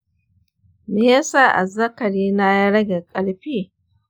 me yasa azzakari na ya rage ƙarfi?